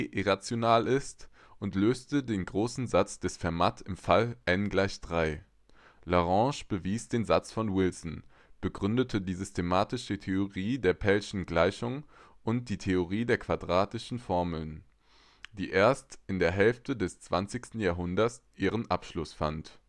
irrational ist und löste den großen Satz von Fermat im Fall n = 3 {\ displaystyle n = 3}. Lagrange bewies den Satz von Wilson, begründete die systematische Theorie der Pellschen Gleichung und die Theorie der quadratischen Formen, die erst in der ersten Hälfte des zwanzigsten Jahrhunderts ihren Abschluss fand